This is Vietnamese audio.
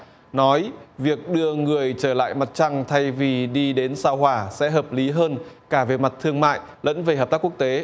nói việc đưa người trở lại mặt trăng thay vì đi đến sao hỏa sẽ hợp lý hơn cả về mặt thương mại lẫn về hợp tác quốc tế